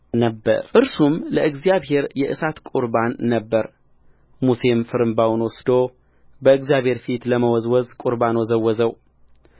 ነበረ እርሱም ለእግዚአብሔር የእሳት ቁርባን ነበረሙሴም ፍርምባውን ወስዶ በእግዚአብሔር ፊት ለመወዝወዝ ቍርባን ወዘወዘው